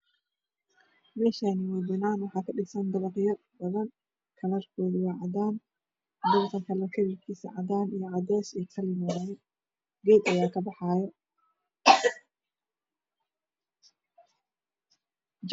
Meeshaani waa banaan waxaa ka dhisan dabaqyo badan kalarkoodu waa cadaan dabaqa kale kalarkiisa cadaan cadays waaye geed ayaa ka baxaayo